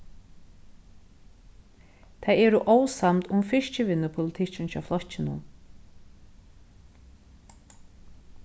tey eru ósamd um fiskivinnupolitikkin hjá flokkinum